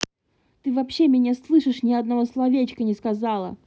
ты вообще меня слышишь ни одного словечка не сказала